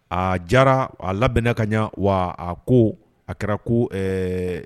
Aa jara a labɛnna ka ɲɛ wa a ko a kɛra ko